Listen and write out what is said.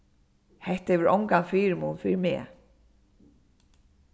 hetta hevur ongan fyrimun fyri meg